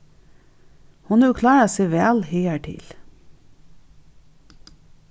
hon hevur klárað seg væl higartil